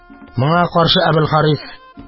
Моңа каршы Әбелхарис